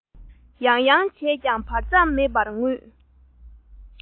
ཡང ཡང བྱས ཀྱང བར མཚམས མེད པར ངུས